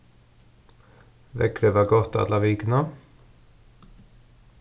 veðrið var gott alla vikuna